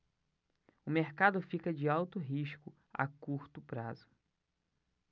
o mercado fica de alto risco a curto prazo